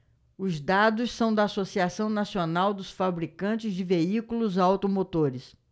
os dados são da anfavea associação nacional dos fabricantes de veículos automotores